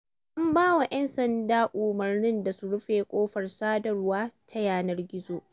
An ba wa 'yan sanda umarnin da su rufe kafar sadarwa ta yanar gizon.